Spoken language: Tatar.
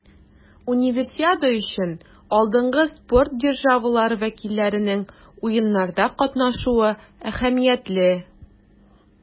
Универсиада өчен алдынгы спорт державалары вәкилләренең Уеннарда катнашуы әһәмиятле.